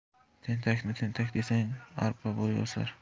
tentakni tentak desang arpa bo'yi o'sar